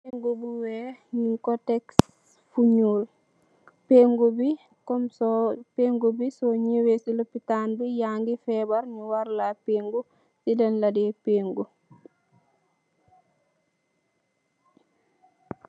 Pehngu bu wekh njung kor tek fu njull, pehngu bii Kom sorr pehngu bii sor njoweh cii lopitan bii yangy febarr nju warrla pehngu cii len la daey pehngu.